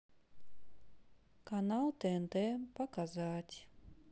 канал тнт показать